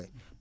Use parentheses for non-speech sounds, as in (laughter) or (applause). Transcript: (hesitation) (hesitation)